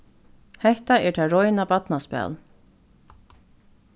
hetta er tað reina barnaspæl